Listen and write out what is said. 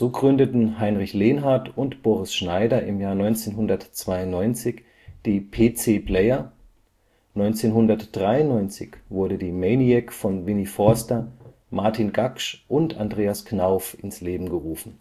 gründeten Heinrich Lenhardt und Boris Schneider im Jahr 1992 die PC Player; 1993 wurde die MAN! AC von Winnie Forster, Martin Gaksch und Andreas Knauf ins Leben gerufen